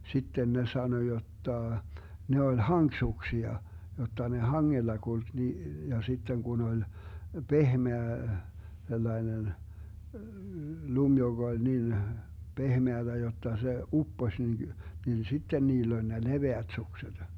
sitten ne sanoi jotta ne oli hankisuksia jotta ne hangella kulki niin ja sitten kun oli pehmeä sellainen lumi joka oli niin pehmeätä jotta se upposi niin niin sitten niillä oli ne leveät sukset